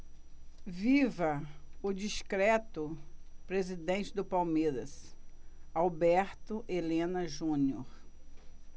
viva o discreto presidente do palmeiras alberto helena junior